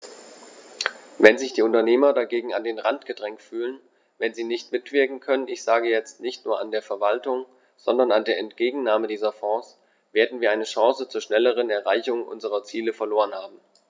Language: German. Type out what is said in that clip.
Wenn sich die Unternehmer dagegen an den Rand gedrängt fühlen, wenn sie nicht mitwirken können ich sage jetzt, nicht nur an der Verwaltung, sondern an der Entgegennahme dieser Fonds , werden wir eine Chance zur schnelleren Erreichung unserer Ziele verloren haben.